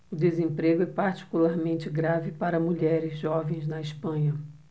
o desemprego é particularmente grave para mulheres jovens na espanha